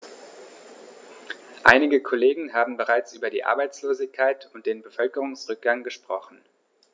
Einige Kollegen haben bereits über die Arbeitslosigkeit und den Bevölkerungsrückgang gesprochen.